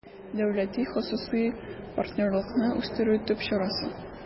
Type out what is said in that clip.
«дәүләти-хосусый партнерлыкны үстерү» төп чарасы